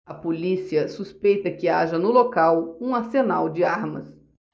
a polícia suspeita que haja no local um arsenal de armas